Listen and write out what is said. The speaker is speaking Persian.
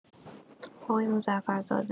آقای مظفر زاده